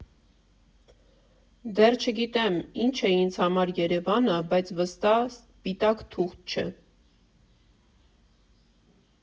Դեռ չգիտեմ՝ ինչ է ինձ համար Երևանը, բայց վստահ սպիտակ թուղթ չէ։